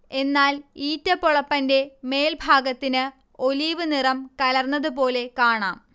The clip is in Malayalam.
എന്നാൽ ഈറ്റ പൊളപ്പന്റെ മേൽഭാഗത്തിന് ഒലീവ് നിറം കലർന്നതുപോലെ കാണാം